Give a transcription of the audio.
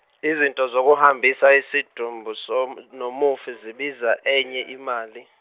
izinto zokuhambisa isidumbu som- nomufi zibiza enye imali.